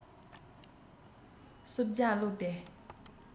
བསྲུབས ཇ བླུགས ཏེ